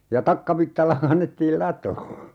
ja takkavitsalla kannettiin latoon